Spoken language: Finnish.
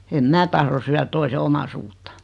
en minä tahdo syödä toisen omaisuutta